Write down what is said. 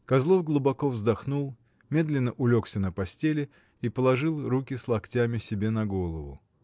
Козлов глубоко вздохнул, медленно улегся на постели и положил руки с локтями себе на голову.